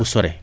fu sore